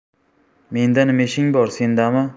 menda nima ishing bor sendami